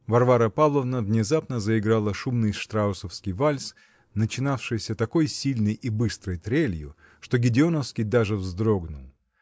Варвара Павловна внезапно заиграла шумный штраусовский вальс, начинавшийся такой сильной и быстрой трелью, что Гедеоновский даже вздрогнул